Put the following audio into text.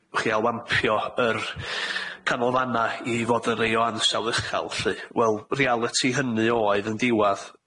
w' chi ailwampio yr canolfanna i fod yn rei o ansawdd uchal lly. Wel, realiti hynny oedd yn diwadd